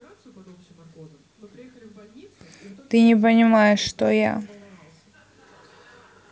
ты не понимаешь что я